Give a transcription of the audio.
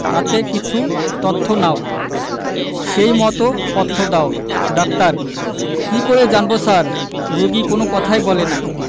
তাতে কিছু তথ্য নাও সেই মত পথ্য দাও ডাক্তার কি করে জানব স্যার রোগী কোন কথাই বলে না